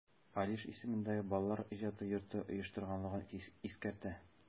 Алиш исемендәге Балалар иҗаты йорты оештырганлыгын искәртә.